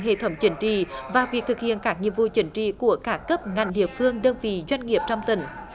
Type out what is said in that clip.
hệ thống chính trị và việc thực hiện các nhiệm vụ chính trị của cả cấp ngành địa phương đơn vị doanh nghiệp trong tỉnh